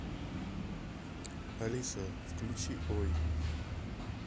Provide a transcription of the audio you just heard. алиса включи ой